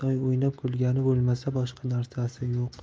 o'ynab kulgani bo'lmasa boshqa narsa yo'q